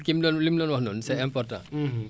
parce que yu bëri day xew